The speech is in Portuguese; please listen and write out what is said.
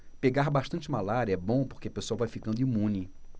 pegar bastante malária é bom porque a pessoa vai ficando imune